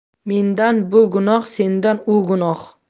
mendan bu gunoh sendan u gunoh